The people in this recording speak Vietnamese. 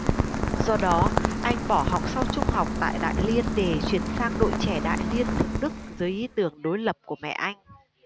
do đó anh bỏ học sau trung học tại đại liên để chuyển sang đội trẻ đại liên thực đức dưới ý tưởng đối lập của mẹ anh